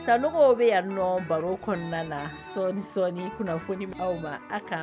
Sanɔgɔ bɛ yan nɔ baro kɔnɔna la sɔɔni sɔɔni kunnafoni bɛ di aw ma a k'an